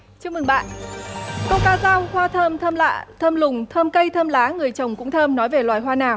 chúc mừng bạn câu ca dao hoa thơm thơm lạ thơm lùng thơm cây thơm lá người trồng cũng thơm nói về loài hoa nào